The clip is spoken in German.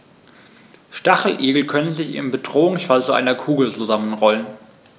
Stacheligel können sich im Bedrohungsfall zu einer Kugel zusammenrollen.